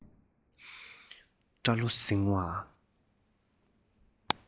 སྐྲ ལོ ཟིང བ